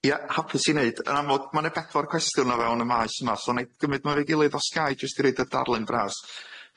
Ie hapus i neud yn amlwg ma' ne' beddwar cwestiwn o fewn y maes yma so nâi gymryd nw efo'i gilydd o jyss gai i roid y darlun dras.